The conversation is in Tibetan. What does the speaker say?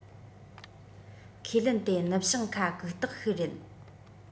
ཁས ལེན དེ ནུབ བྱང ཁ གུག རྟགས ཤིག རེད